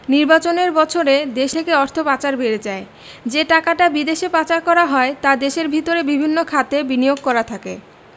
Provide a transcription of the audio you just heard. নির্বাচনের বছরে দেশ থেকে অর্থ পাচার বেড়ে যায় যে টাকাটা বিদেশে পাচার করা হয় তা দেশের ভিতরে বিভিন্ন খাতে বিনিয়োগ করা থাকে